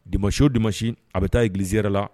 Di masio de masi a bɛ taa i giliiɛrɛ la